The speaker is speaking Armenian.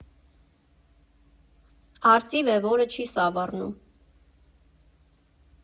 Արծիվ է, որը չի սավառնում։